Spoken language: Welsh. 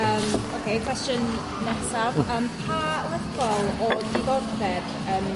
Yym, oce, cwestiwn nesaf yym pa lefel o diddordeb yn